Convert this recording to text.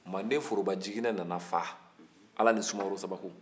manden forobajiginɛ nana fa ala nin sumaworo sababu